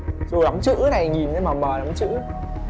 ôi lắm chữ thế này nhìn thấy mờ mờ lắm chữ ế